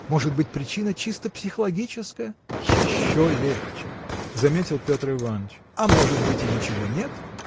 Может быть, причина чисто психологическая. – Еще легче! – заметил Петр Иваныч. – А может быть, и ничего нет.